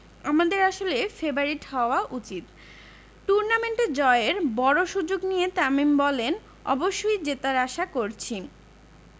আমাদের আসলে ফেবারিট হওয়া উচিত টুর্নামেন্ট জয়ের বড় সুযোগ নিয়ে তামিম বললেন অবশ্যই জেতার আশা করছি